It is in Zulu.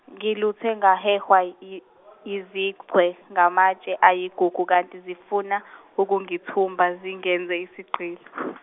ngiluthwe, ngahehwa yi- yizichwe ngamatshe ayigugu kanti zifuna ukungithumba zingenze isigqil- .